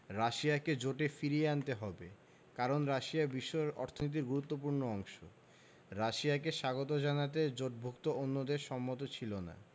রাশিয়াকে জোটে ফিরিয়ে আনতে হবে কারণ রাশিয়া বিশ্ব অর্থনীতির গুরুত্বপূর্ণ অংশ রাশিয়াকে স্বাগত জানাতে জোটভুক্ত অন্য দেশ সম্মত ছিল না